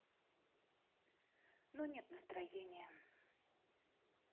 но нет настроения